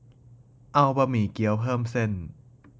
เอาบะหมี่เกี๊ยวเพิ่มเส้น